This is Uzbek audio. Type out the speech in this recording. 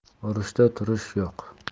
urushda turish yo'q